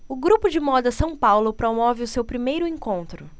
o grupo de moda são paulo promove o seu primeiro encontro